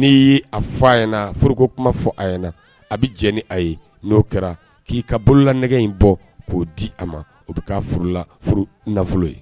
n'i y' a fa a furuko kuma fɔ ay na a bɛ jɛ ni a ye n'o kɛra k'i ka bolola nɛgɛ in bɔ k'o di a ma o bɛ ka nafolo ye